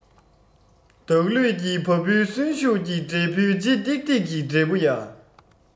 བདག ལུས ཀྱི བ སྤུའི གསོན ཤུགས ཀྱི འབྲས བུའི ལྗིད ཏིག ཏིག གི འབྲས བུ ཡ